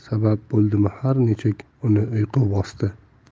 sabab bo'ldimi har nechuk uni uyqu bosdi